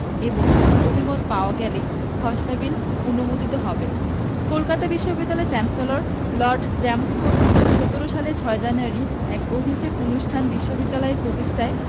এবং অভিমত পাওয়া গেলেই খসড়া বিল অনুমোদিত হবে কলকাতা বিশ্ববিদ্যালয়ের চ্যান্সেলর লর্ড চেমস্ফোর্ড ১৯১৭ সালের ৬ জানুয়ারি এক অভিষেক অনুষ্ঠানে বিশ্ববিদ্যালয় প্রতিষ্ঠার